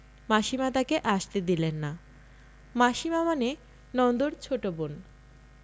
মাসীমা তাকে আসতে দিলেন না মাসিমা মানে নন্দর ছোট বোন